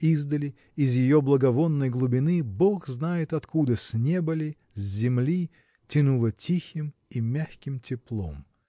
издали, из ее благовонной глубины, бог знает откуда -- с неба ли, с земли, -- тянуло тихим и мягким теплом.